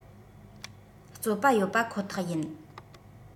བརྩོད པ ཡོད པ ཁོ ཐག ཡིན